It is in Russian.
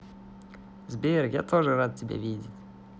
сбер я тоже рад тебя видеть